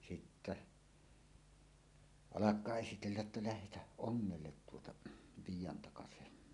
sitten alkaa esitellä että lähdetään ongelle tuota Viidantakaseen